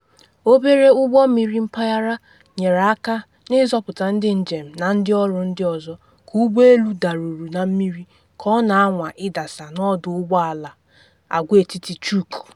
Obere ụgbọ mmiri mpaghara nyere aka na ịzọpụta ndị njem na ndị ọrụ ndị ọzọ ka ụgbọ elu daruru na mmiri ka ọ na anwa ịdasa n’ọdụ ụgbọ elu Agwaetiti Chuuk.